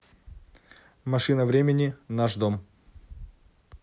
машина времени наш дом